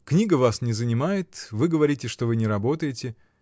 — Книга вас не занимает; вы говорите, что вы не работаете.